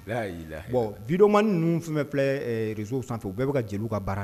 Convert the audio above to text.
Y'a yi bidɔnmani ninnu fɛn filɛ rezw sanfɛfɛ u bɛɛ bɛ ka jeliw ka baara